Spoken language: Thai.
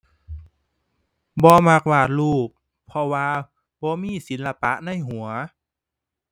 บ่มักวาดรูป เพราะว่าบ่มีศิลปะในหัว